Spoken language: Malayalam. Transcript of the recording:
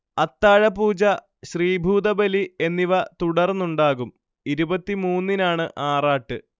അത്താഴപൂജ, ശ്രീഭൂതബലി എന്നിവ തുടർന്നുണ്ടാകും ഇരുപത്തിമൂന്നിനാണ്‌ ആറാട്ട്